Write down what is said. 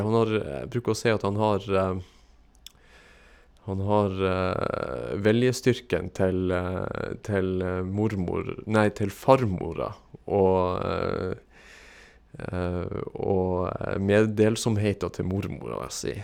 han har Jeg bruker å si at han har han har viljestyrken til til mormor nei til farmora, og og meddelsomheta til mormora si.